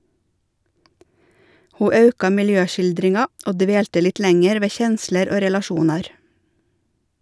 Ho auka miljøskildringa og dvelte litt lenger ved kjensler og relasjonar.